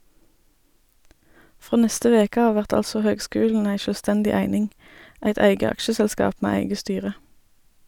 Frå neste veke av vert altså høgskulen ei sjølvstendig eining, eit eige aksjeselskap med eige styre.